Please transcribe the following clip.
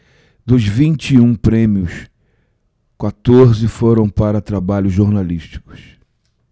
dos vinte e um prêmios quatorze foram para trabalhos jornalísticos